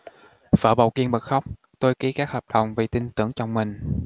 vợ bầu kiên bật khóc tôi kí các hợp đồng vì tin tưởng chồng mình